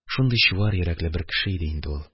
Шундый чуар йөрәкле бер кеше иде инде ул.